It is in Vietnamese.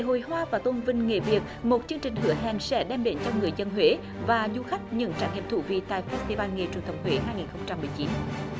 lễ hội hoa và tôn vinh nghỉ việc một chương trình hứa hẹn sẽ đem đến cho người dân huế và du khách những trải nghiệm thú vị tại phét si van nghề truyền thống huế hai nghìn không trăm mười chín